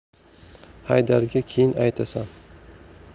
haydarga keyin aytasan